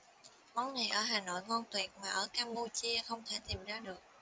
món này ở hà nội ngon tuyệt mà ở campuchia không thể tìm ra được